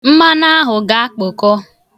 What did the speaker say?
Mmanụ ahụ ga-akpụkọ.